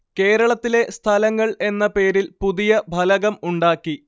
കേരളത്തിലെ സ്ഥലങ്ങള്‍ എന്ന പേരില്‍ പുതിയ ഫലകം ഉണ്ടാക്കി